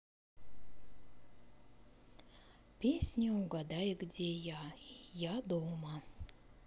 песня угадай где я я дома